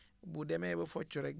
bu demee ba focc rek